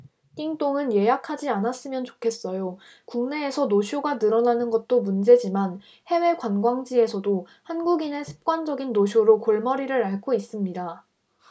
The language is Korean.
띵똥은 예약하지 않았으면 좋겠어요국내에서 노쇼가 늘어나는 것도 문제지만 해외 관광지에서도 한국인의 습관적인 노쇼로 골머리를 앓고 있습니다